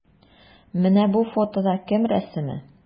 Менә бу фотода кем рәсеме?